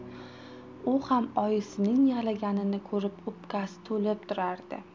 u ham oyisining yig'laganini ko'rib o'pkasi to'lib turardi